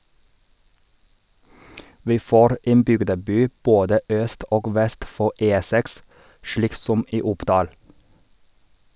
Vi får en bygdeby både øst og vest for E6, slik som i Oppdal.